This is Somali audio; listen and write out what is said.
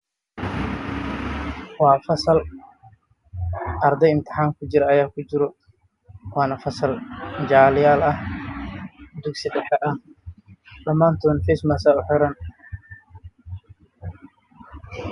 Waa fasal araday imtixaan ku jiro ay ku jiraan dhamaantoodna face mas ayaa uxiran